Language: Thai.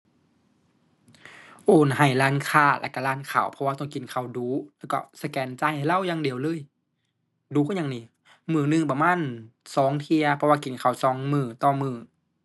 โอนให้ร้านค้าแล้วก็ร้านข้าวเพราะว่าต้องกินข้าวดู๋ แล้วก็สแกนจ่ายให้เลาอย่างเดียวเลย ดู๋คือหยังหนิ มื้อหนึ่งประมาณสองเที่ย เพราะว่ากินข้าวสองมื้อต่อมื้อ